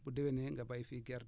bu déwénee nga bay fii gerte